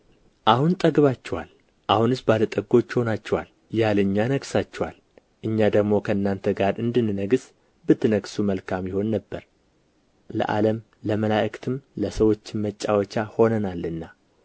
አሁን ጠግባችኋል አሁንስ ባለ ጠጎች ሆናችኋል ያለ እኛ ነግሣችኋል እኛ ደግሞ ከእናንተ ጋር እንድንነግሥ ብትነግሡ መልካም ይሆን ነበር ለዓለም ለመላእክትም ለሰዎችም መጫወቻ ሆነናልና